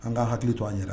An ka an hakili to an yɛrɛ